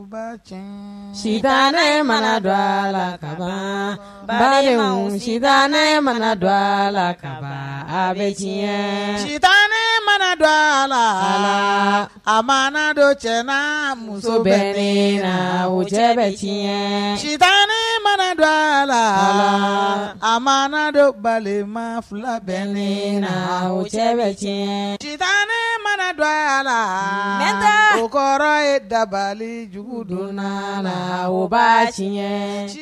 Bac sita ne mana dɔ a la kama ba si ne mana dɔ a la ka bɛɲɛ sita ne mana dɔ a la a ma dɔ cɛ muso bɛ in wo cɛ bɛɲɛ sita ne mana dɔ a la a ma dɔ balima fila bɛ ne na wo cɛ bɛ tiɲɛ ne mana dɔ a la n kɔrɔ ye dabali jugu donna la ba